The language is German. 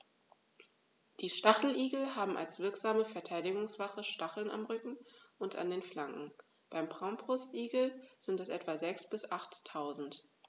Die Stacheligel haben als wirksame Verteidigungswaffe Stacheln am Rücken und an den Flanken (beim Braunbrustigel sind es etwa sechs- bis achttausend).